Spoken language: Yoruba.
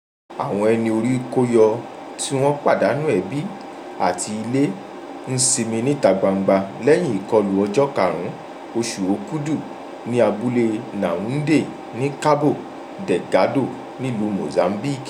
Àwọn ẹni-orí-kó-yọ tí wọ́n pàdánù ẹbí àti ilé ń sinmi níta gbangba lẹ́yìn ìkọlù ọjọ́ 5 oṣù Òkúdù ní abúlé Naunde ní Cabo Delgado nílùú Mozambique.